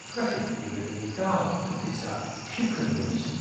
Ac felly mi fyddwn ni dal yn bita ciwcymbyrs...